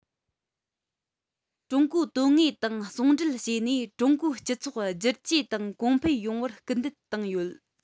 ཀྲུང གོའི དོན དངོས དང ཟུང འབྲེལ བྱས ནས ཀྲུང གོའི སྤྱི ཚོགས བསྒྱུར བཅོས དང གོང འཕེལ ཡོང བར སྐུལ འདེད བཏང ཡོད